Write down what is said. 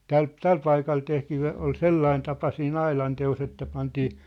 tällä tällä paikalla tehtiin - oli sellainen tapa siinä aidanteossa että pantiin